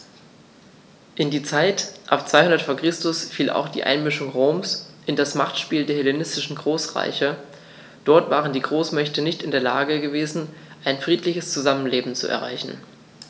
In die Zeit ab 200 v. Chr. fiel auch die Einmischung Roms in das Machtspiel der hellenistischen Großreiche: Dort waren die Großmächte nicht in der Lage gewesen, ein friedliches Zusammenleben zu erreichen.